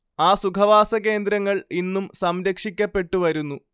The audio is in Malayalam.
ആ സുഖവാസകേന്ദ്രങ്ങൾ ഇന്നും സംരക്ഷിക്കപ്പെട്ടു വരുന്നു